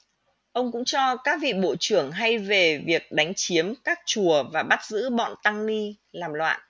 ông cũng cho các vị bộ trưởng hay về việc đánh chiếm các chùa và bắt giữ bọn tăng ni làm loạn